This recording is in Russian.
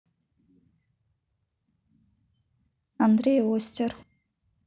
андрей остер